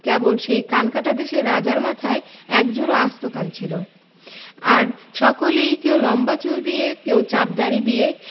কেবল সেই কানকাটা দেশের রাজার মাথায় একজোড়া আস্ত কান ছিল আর সকলেই কেউ লম্বা চুল দিয়ে কেউ চাপ দাড়ি দিয়ে